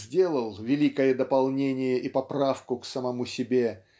сделал великое дополнение и поправку к самому себе